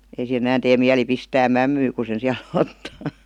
ei siihen enää tee mieli pistää mämmiä kun sen siellä ottaa